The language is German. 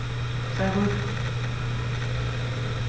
Sei ruhig.